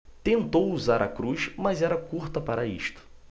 tentou usar a cruz mas era curta para isto